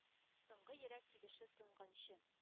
Соңгы йөрәк тибеше тынганчы